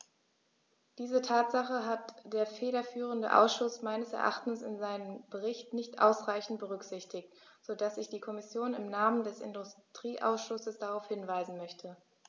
Diese Tatsache hat der federführende Ausschuss meines Erachtens in seinem Bericht nicht ausreichend berücksichtigt, so dass ich die Kommission im Namen des Industrieausschusses darauf hinweisen möchte.